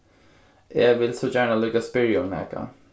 eg vil so gjarna líka spyrja um nakað